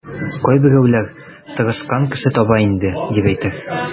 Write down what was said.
Кайберәүләр тырышкан кеше таба инде, дип әйтер.